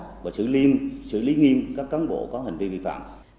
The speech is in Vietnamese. và xử lý nghiêm xử lý nghiêm các cán bộ có hành vi vi phạm